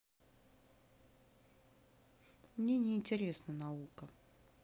мне не интересна наука